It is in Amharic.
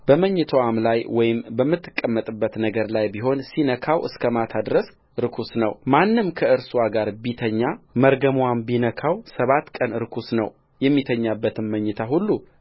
በመኝታዋም ላይ ወይም በምትቀመጥበት ነገር ላይ ቢሆን ሲነካው እስከ ማታ ድረስ ርኩስ ነውማንም ከእርስዋ ጋር ቢተኛ መርገምዋም ቢነካው ሰባት ቀን ርኩስ ነው የሚተኛበትም መኝታ ሁሉ